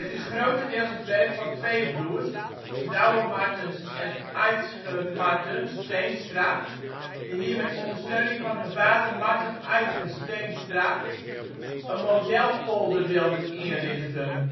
is grotendeels het werk van twee broers, Douwe (Martens) en Aedsge (Martens) Teenstra, die hier met ondersteuning van hun vader Marten Aedges Teenstra, een modelpolder wilden inrichten